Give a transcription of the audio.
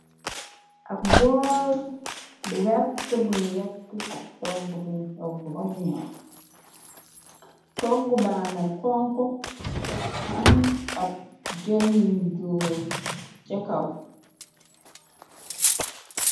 Ab bool bu werta buñu yekk ab togg, buñu togg bamu ñoor, togg ba nga xonxu am ab jën yu joor ća kaw.